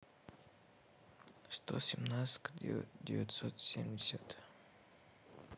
сто семнадцать к девяносто семь десять